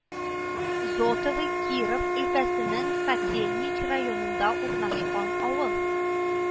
Зотовы Киров өлкәсенең Котельнич районында урнашкан авыл